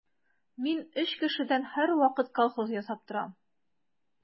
Мин өч кешедән һәрвакыт колхоз ясап торам.